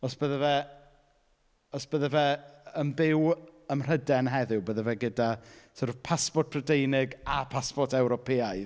Os byddai fe... os byddai fe yy yn byw yy ym Mhrydain heddiw byddai fe gyda sort of pasbort Prydeinig a pasbort Ewropeaidd.